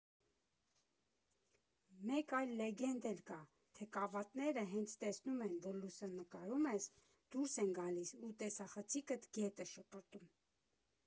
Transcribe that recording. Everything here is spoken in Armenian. Մեկ այլ լեգենդ էլ կա, թե կավատները հենց տեսնում են, որ լուսանկարում ես, դուրս են գալիս ու տեսախցիկդ գետը շպրտում։